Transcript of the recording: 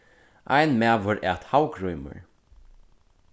ein maður æt havgrímur